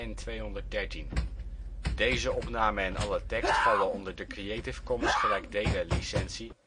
N223 en N213